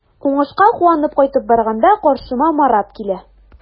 Уңышка куанып кайтып барганда каршыма Марат килә.